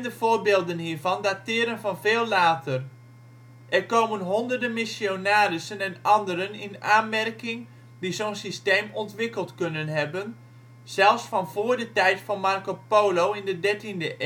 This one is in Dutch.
voorbeelden hiervan dateren van veel later. Er komen honderden missionarissen en anderen in aanmerking die zo 'n systeem ontwikkeld kunnen hebben, zelfs van voor de tijd van Marco Polo in de dertiende